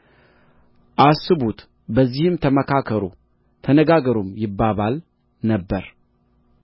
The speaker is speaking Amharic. አስቡት በዚህም ተመካከሩ ተነጋገሩም ይባባል ነበር